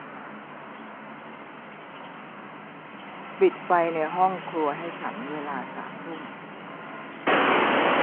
ปิดไฟในห้องครัวให้ฉันเวลาสามทุ่ม